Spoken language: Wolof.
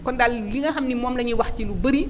kon daal li nga xam ne moom lañuy wax ci lu bari